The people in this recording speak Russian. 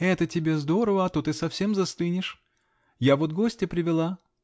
Это тебе здорово: а то ты совсем застынешь. Я вот гостя привела .